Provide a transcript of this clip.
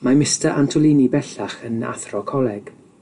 Mae Mista Antolini bellach yn athro coleg.